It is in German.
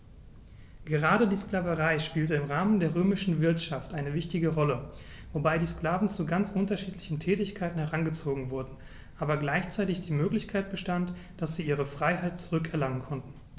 Gerade die Sklaverei spielte im Rahmen der römischen Wirtschaft eine wichtige Rolle, wobei die Sklaven zu ganz unterschiedlichen Tätigkeiten herangezogen wurden, aber gleichzeitig die Möglichkeit bestand, dass sie ihre Freiheit zurück erlangen konnten.